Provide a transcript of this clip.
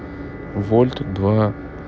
вольт два